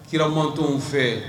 Kiramatɔnw fɛ